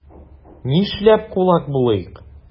Нишләп кулак булыйк?